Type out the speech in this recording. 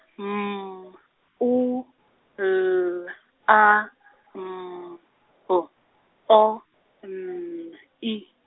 M U L A M B O N I.